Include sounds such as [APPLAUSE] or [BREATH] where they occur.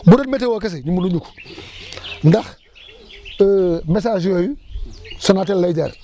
bu doon météo kese ñun munuñu ko [BREATH] ndax [HESITATION] messages yooyu Sonatel lay jaar